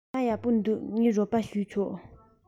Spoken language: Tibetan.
བྱས ན ཡག པོ བྱུང ངས རོགས པ བྱས ཆོག